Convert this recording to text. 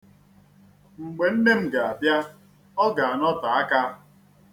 Mgbe nne m ga-abịa, ọ ga-anote aka.